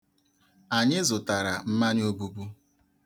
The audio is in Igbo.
Anyị zụtara mmanya obubu.